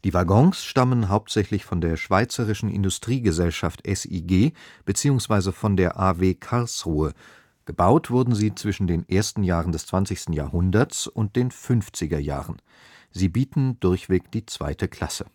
Waggons stammen hauptsächlich von der Schweizerischen Industriegesellschaft (SIG) beziehungsweise von der AW Karlsruhe; gebaut wurden sie zwischen den ersten Jahren des Zwanzigsten Jahrhunderts und den fünfziger Jahren. Sie bieten durchweg die zweite Klasse